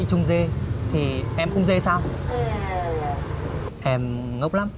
nghĩ trông dê thì em cũng dê sao em ngốc lắm